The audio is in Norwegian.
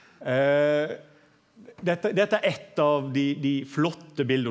dette dette er eitt av dei dei flotte bilda.